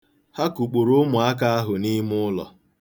Ha kukpuru ụmụaka ahụ n'ime ụlọ.